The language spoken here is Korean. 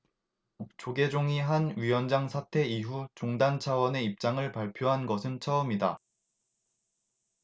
조계종이 한 위원장 사태 이후 종단 차원의 입장을 발표한 것은 처음이다